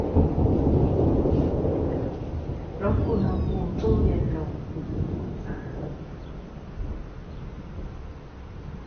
ลดอุณหภูมิตู้เย็นลงอีกหนึ่งองศา